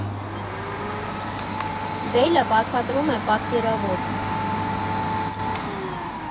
Դեյլը բացատրում է պատկերավոր.